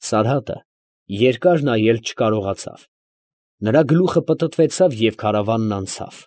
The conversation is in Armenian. Սարհատը երկար նայել չկարողացավ, նրա գլուխը պտտվեցավ, և քարավանը անցավ։